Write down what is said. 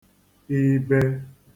Ibē